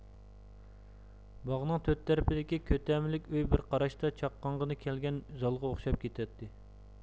باغنىڭ تۆر تەرىپىدىكى كۆتەملىك ئۆي بىر قاراشتا چاققانغىنا كەلگەن زالغا ئوخشاپ كېتەتتى